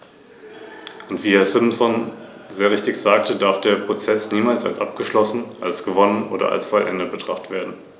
Wir hoffen, dass diejenigen, die eine Ablehnung dieser Änderungsanträge in Betracht ziehen, sowohl dem Parlament als auch ihren Arbeit suchenden Bürgern triftige Gründe für ihre Entscheidung nennen können.